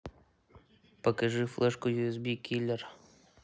покажи флешку юсб киллер